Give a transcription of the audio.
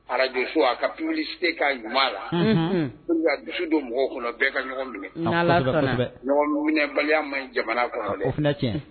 Arajso a kapiwubili se ka ɲuman la dusu don mɔgɔ kɔnɔ bɛɛ ka ɲɔgɔn minɛ baliya ma jamana kɔnɔ